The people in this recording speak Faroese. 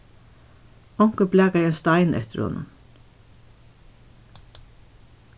onkur blakaði ein stein eftir honum